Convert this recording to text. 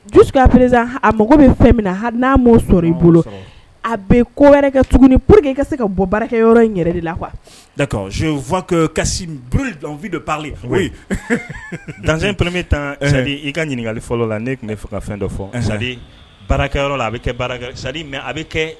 Jupz a mago bɛ fɛn min na hali n'a'o sɔrɔ i bolo a bɛ ko wɛrɛ kɛ tuguni p que i ka se ka bɔ baarakɛ in yɛrɛ de la qufa kasi dan ppme tan sa i ka ɲininkakali fɔlɔ la tun bɛ ka fɛn dɔ baarakɛ a bɛ mɛ a bɛ kɛ